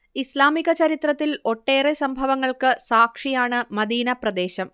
ഇസ്ലാമിക ചരിത്രത്തിൽ ഒട്ടേറെ സംഭവങ്ങൾക്ക് സാക്ഷിയാണ് മദീന പ്രദേശം